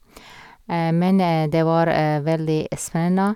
Men det var veldig spennende.